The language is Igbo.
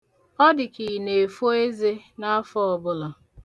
Ọ dị ka ị na-efo eze n'afọ ọbụla.